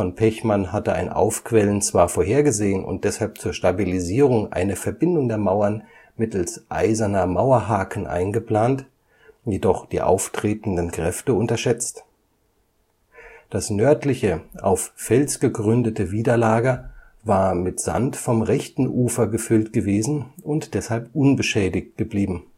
Pechmann hatte ein Aufquellen zwar vorhergesehen und deshalb zur Stabilisierung eine Verbindung der Mauern mittels eiserner Mauerhaken eingeplant, jedoch die auftretenden Kräfte unterschätzt. Das nördliche auf Fels gegründete Widerlager war mit Sand vom rechten Ufer gefüllt gewesen und deshalb unbeschädigt geblieben